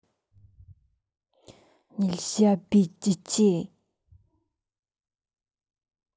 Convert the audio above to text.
нельзя бить детей